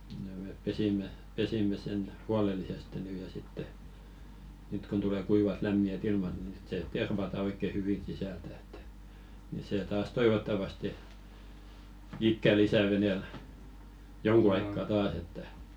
ja me pesimme pesimme sen huolellisesti nyt ja sitten nyt kun tulee kuivat lämpimät ilmat niin sitten se tervataan oikein hyvin sisältä että niin se taas toivottavasti ikää lisää veneellä jonkun aikaa taas että